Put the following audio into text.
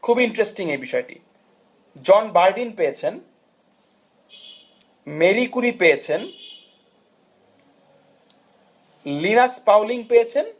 খুব ইন্টারেস্টিং এই বিষয়টি জন বারডিন পেয়েছেন মেরি কুরি পেয়েছেন লিনাস পাউলিং পেয়েছেন